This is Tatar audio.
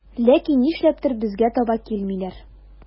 Ләкин нишләптер безгә таба килмиләр.